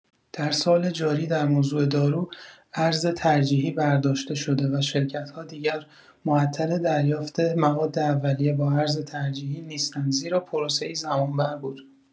در سال جاری در موضوع دارو، ارز ترجیحی برداشته شده و شرکت‌ها دیگر معطل دریافت مواد اولیه با ارز ترجیحی نیستند زیرا پروسه‌ای زمان‌بر بود.